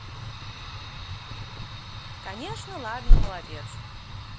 конечно ладно молодец